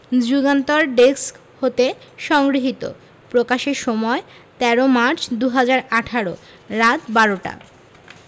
Jugantor desk হতে সংগৃহীত প্রকাশের সময় ১৩ মার্চ ২০১৮ রাত ১২:০০ টা